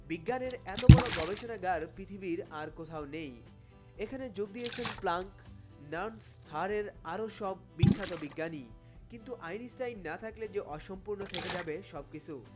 বিজ্ঞানের এত বড় গবেষণাগার পৃথিবীর আর কোথাও নেই এখানে যোগ দিয়েছেন প্লাঙ্ক নার্স হাড়ের আরো সব বিখ্যাত বিজ্ঞানী কিন্তু আইনস্টাইন না থাকলে যে অসম্পুর্ণ থেকে যাবে সবকিছু